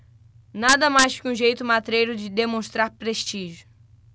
nada mais que um jeito matreiro de demonstrar prestígio